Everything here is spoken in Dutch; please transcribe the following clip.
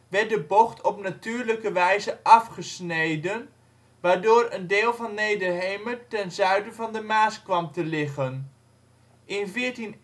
werd de bocht op natuurlijke wijze afgesneden, waardoor een deel van Nederhemert ten zuiden van de Maas kwam te liggen. In 1481